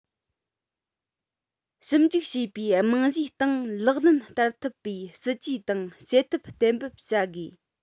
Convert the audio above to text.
ཞིབ འཇུག བྱས པའི རྨང གཞིའི སྟེང ལག ལེན བསྟར ཐུབ པའི སྲིད ཇུས དང བྱེད ཐབས གཏན འབེབས བྱ དགོས